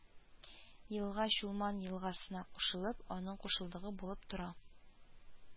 Елга Чулман елгасына кушылып, аның кушылдыгы булып тора